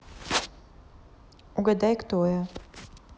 угадай кто я